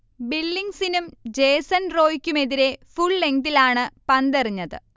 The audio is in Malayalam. ബില്ലിങ്സിനും ജേസൻ റോയിക്കുമെതിരെ ഫുൾലെങ്തിലാണ് പന്തെറിഞ്ഞത്